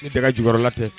Ne tɛ jula tɛ